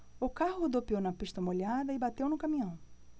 o carro rodopiou na pista molhada e bateu no caminhão